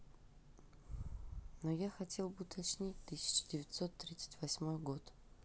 но я хотел бы уточнить тысяча девятьсот тридцать восьмой год